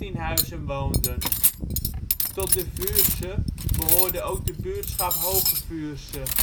huizen woonden. Tot de Vuursche behoorde ook de buurtschap Hooge Vuursche